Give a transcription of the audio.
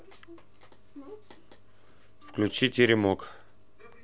включи теремок